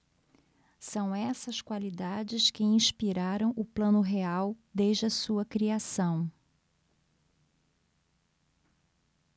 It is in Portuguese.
são essas qualidades que inspiraram o plano real desde a sua criação